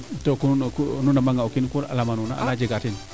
donc nuun nu ndama nga o kiin kunu alamane nuuna ana jega teen